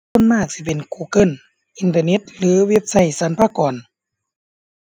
ส่วนมากสิเป็น Google อินเทอร์เน็ต หรือเว็บไซต์สรรพากร